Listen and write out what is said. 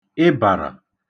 ịbàrà